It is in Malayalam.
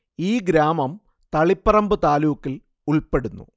ഈ ഗ്രാമം തളിപ്പറമ്പ് താലൂക്കിൽ ഉൾപ്പെടുന്നു